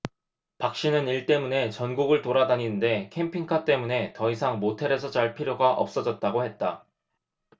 박씨는 일 때문에 전국을 돌아다니는데 캠핑카 때문에 더 이상 모텔에서 잘 필요가 없어졌다고 했다